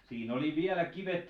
siinä oli vielä kivet